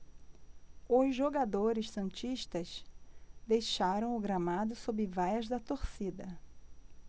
os jogadores santistas deixaram o gramado sob vaias da torcida